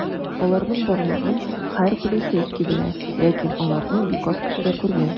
Аларның барлыгын һәр полицейский белә, ләкин аларны бик аз кешеләр күргән.